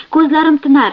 ko'zlarim tinar